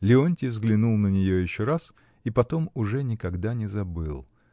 Леонтий взглянул на нее еще раз и потом уже никогда не забыл.